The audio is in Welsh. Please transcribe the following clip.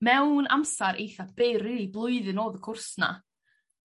...Mewn amsar eitha byr rili blwyddyn odd y cwrs 'na.